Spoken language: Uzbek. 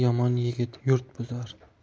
yomon yigit yurt buzar